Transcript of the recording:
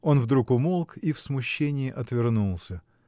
-- Он вдруг умолк и в смущении отвернулся.